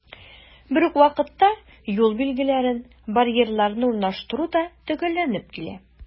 Бер үк вакытта, юл билгеләрен, барьерларны урнаштыру да төгәлләнеп килә.